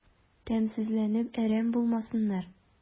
Тәмсезләнеп әрәм булмасыннар...